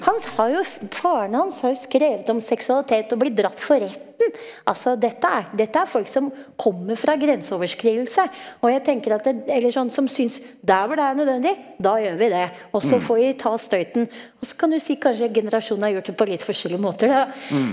hans har jo faren hans har jo skrevet om seksualitet og blir dratt for retten, altså dette er dette er folk som kommer fra grenseoverskridelse, og jeg tenker at eller sånn som syns der hvor det er nødvendig da gjør vi det, også får vi ta støyten også kan du si kanskje generasjonene har gjort det på litt forskjellige måter da.